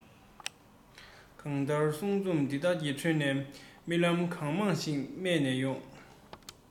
གང ལྟར གསུང རྩོམ འདི དག གི ཁྲོད ནས རྨི ལམ གང མང ཞིག རྨས ནས ཡོང